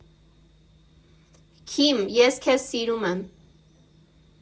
Քիմ, ես քեզ սիրում եմ։